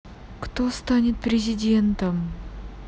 кто станет президентом